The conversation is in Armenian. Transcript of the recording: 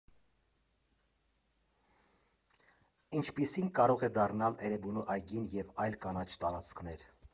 Ինչպիսին կարող են դառնալ Էրեբունու այգին և այլ կանաչ տարածքներ.